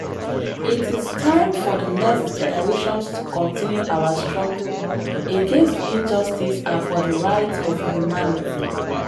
It is time for the next generations to continue our struggle against social injustice and for the rights of humanity.